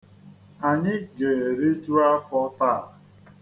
Anyị ga-eriju afọ taa.